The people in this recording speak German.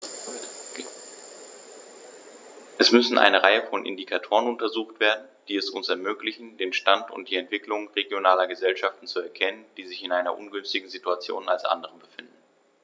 Es müssen eine Reihe von Indikatoren untersucht werden, die es uns ermöglichen, den Stand und die Entwicklung regionaler Gesellschaften zu erkennen, die sich in einer ungünstigeren Situation als andere befinden.